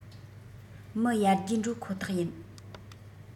མི ཡར རྒྱས འགྲོ ཁོ ཐག ཡིན